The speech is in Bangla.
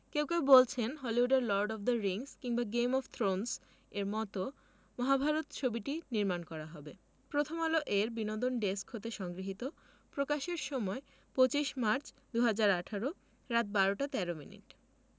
কেউ কেউ বলছেন হলিউডের লর্ড অব দ্য রিংস কিংবা গেম অব থ্রোনস এর মতো মহাভারত ছবিটি নির্মাণ করা হবে প্রথমআলো এর বিনোদন ডেস্ক হতে সংগৃহীত প্রকাশের সময় ২৫মার্চ ২০১৮ রাত ১২ টা ১৩ মিনিট